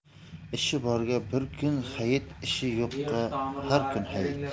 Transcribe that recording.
ishi borga bir kun hayit ishi yo'qqa har kun hayit